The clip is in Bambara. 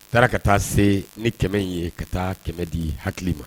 A taara ka taa se ni kɛmɛ ye ka taa kɛmɛ di hakili ma